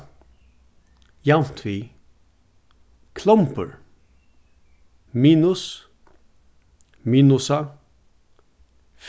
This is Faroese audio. javnt við klombur minus minusa